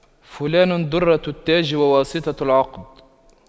فلان دُرَّةُ التاج وواسطة العقد